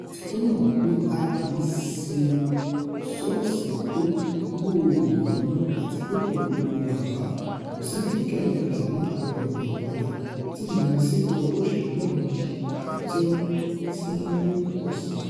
Òtítọ náà nipé a kìí ṣe sọọsi tó gbòòrò yẹn mọ́ àtipé pẹ̀lu gbogbo àbá ''kòsí-ìgbẹkẹ̀lé'' tabi àwọn ìlàna ìyípadà ti ìyannisipò ẹgbẹ òṣèlu náà ńdi èyití ó ńtín-ín-rín púpọ síi.